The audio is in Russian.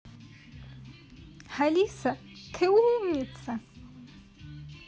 алиса ты умница